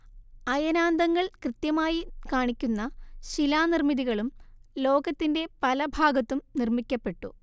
അയനാന്തങ്ങൾ കൃത്യമായി കാണിക്കുന്ന ശിലാനിർമ്മിതികളും ലോകത്തിന്റെ പലഭാഗത്തും നിർമ്മിക്കപ്പെട്ടു